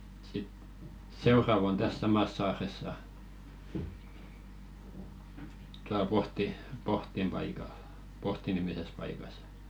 ja sitten seuraava on tässä samassa saaressa tuolla - Pohdin paikalla Pohti nimisessä paikassa